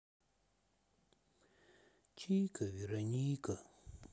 чика вероника